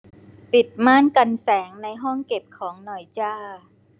ปิดม่านกันแสงในห้องเก็บของหน่อยจ้า